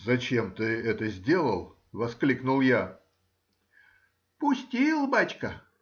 — Зачем ты это сделал? — воскликнул я. — Пустил, бачка.